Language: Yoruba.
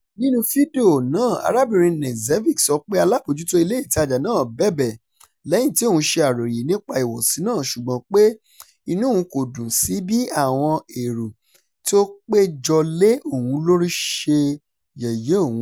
Nínú fídíò náà, arábìnrin Knežević sọ pé alábòójútó ilé ìtajà náà bẹ̀bẹ̀ lẹ́yìn tí òun ṣe àròyé nípa ìwọ̀sí náà, ṣùgbọ́n pé inú òun kò dùn sí bí àwọn èrò tí ó pé jọ lé òun lórí ṣe yẹ̀yẹ́ òun.